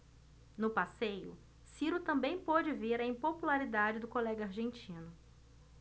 no passeio ciro também pôde ver a impopularidade do colega argentino